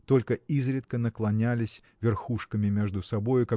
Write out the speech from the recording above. только изредка наклонялись верхушками между собою